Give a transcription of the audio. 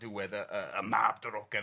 diwedd y y y mab drogan.. ia...